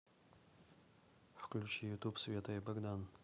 включи ютуб света и богдан